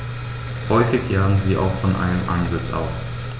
Häufig jagen sie auch von einem Ansitz aus.